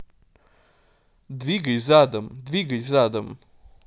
двигай задом двигай задом